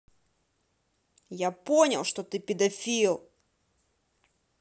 я понял что ты педофил